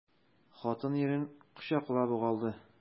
Хатын ирен кочаклап ук алды.